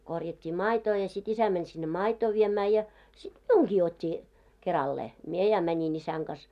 korjattiin maitoa ja sitten isä meni sinne maitoa viemään ja sitten minunkin otti keralleen minä ja menin isän kanssa